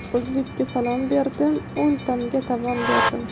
o'zbekka salom berdim o'n tanga tovon berdim